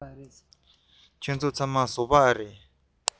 ཁྱེད ཚོ ཚང མ བཟོ པ རེད པས